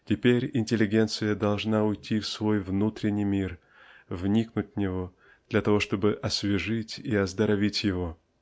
Теперь интеллигенция должна уйти в свой внутренний мир вникнуть в него для того чтобы освежить и оздоровить его.